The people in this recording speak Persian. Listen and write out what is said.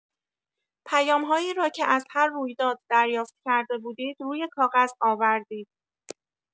پیام‌هایی را که از هر رویداد دریافت کرده بودید روی کاغذ آوردید.